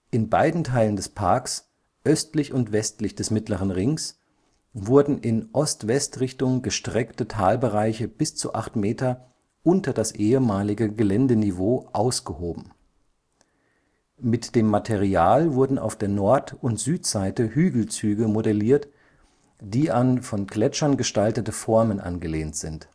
In beiden Teilen des Parks, östlich und westlich des Mittleren Rings, wurden in Ost-West-Richtung gestreckte Talbereiche bis zu acht Meter unter das ehemalige Geländeniveau ausgehoben. Mit dem Material wurden auf der Nord - und Südseite Hügelzüge modelliert, die an von Gletschern gestaltete Formen angelehnt sind